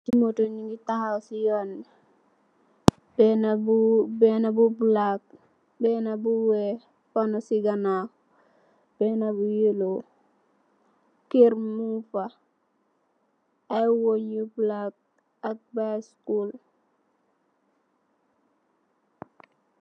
Moto nyu ki taxaw si yon wi bena bu black bena bu weex buno si kanaw bena bu yellow keur mung fa ay weng yu black ak bicycle.